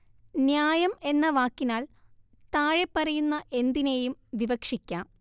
ന്യായം എന്ന വാക്കിനാൽ താഴെപ്പറയുന്ന എന്തിനേയും വിവക്ഷിക്കാം